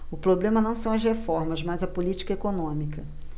o problema não são as reformas mas a política econômica